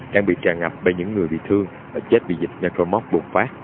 đang bị tràn ngập với những người bị thương và chết vì dịch necromorph bùng phát